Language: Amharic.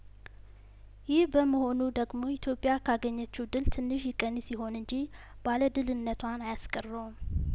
ይህ በመሆኑ ደግሞ ኢትዮጵያ ከአገኘችው ድል ትንሽ ይቀንስ ይሆን እንጂ ባለድልነቷን አያስቀረውም